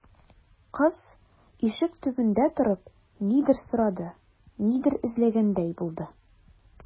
Кыз, ишек төбендә торып, нидер сорады, нидер эзләгәндәй булды.